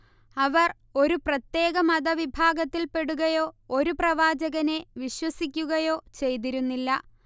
അവർ ഒരു പ്രത്യേക മതവിഭാഗത്തിൽപ്പെടുകയോ ഒരു പ്രവാചകനെ വിശ്വസിക്കുകയോ ചെയ്തിരുന്നില്ല